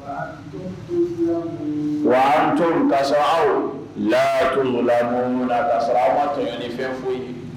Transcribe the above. kasɔrɔ a' ma tɔɲɔnifɛn foyi kɛ